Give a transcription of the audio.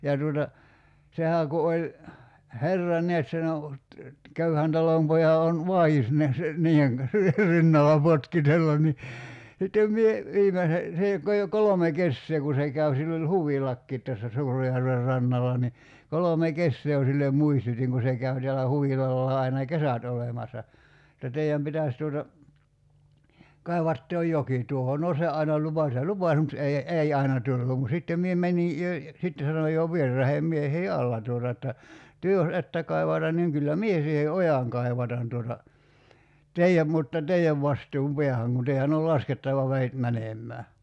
ja tuota sehän kun oli herra näet sen on köyhän talonpojan on vai'is näet niiden kanssa rinnalla potkitella niin sitten minä viimeisen se jo kai jo kolme kesää kun se kävi sillä oli huvilakin tässä Suurenjärven rannalla niin kolme kesää jo sille muistutin kun se käy täällä huvilallaan aina kesät olemassa että teidän pitäisi tuota kaivaa tuo joki tuohon no se aina lupasi ja lupasi mutta ei ei aina tullut mutta sitten minä menin jo sitten sanoin jo vieraiden miehien alla tuota että te jos ette kaivata niin kyllä minä siihen ojan kaivatan tuota teidän mutta teidän vastuun päähän kun teidän oli laskettava vedet menemään